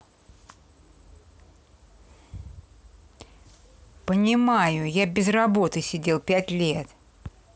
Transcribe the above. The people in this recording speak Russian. понимаю я без работы сидел пять лет